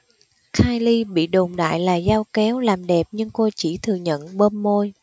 kylie bị đồn đại là dao kéo làm đẹp nhưng cô chỉ thừa nhận bơm môi